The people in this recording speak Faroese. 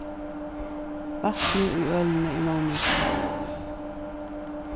vatnið í ølini er nóg mikið